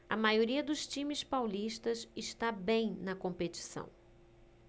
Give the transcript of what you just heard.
a maioria dos times paulistas está bem na competição